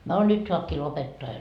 no nyt saakin lopettaa jo